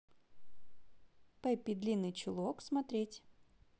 пеппи длинный чулок смотреть